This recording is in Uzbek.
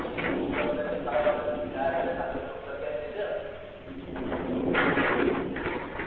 ichkilikning yoshlarga halokatli ta'siri haqida to'xtalgan edim